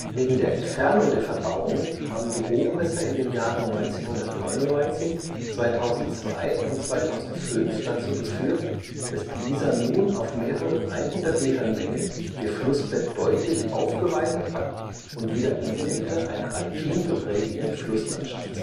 Wegen der Entfernung der Verbauungen haben die Hochwässer in den Jahren 1999, 2002 und 2005 dazu geführt, dass die Isar nun auf mehreren 100 m Länge ihr Flussbett deutlich aufgeweitet hat und wieder Elemente einer alpin geprägten Flusslandschaft